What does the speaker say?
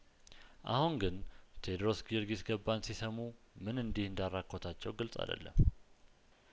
አሁን ግን ቴድሮስ ጊዮርጊስ ገባን ሲሰሙ ምን እንዲህ እንዳራኮታቸው ግልጽ አደለም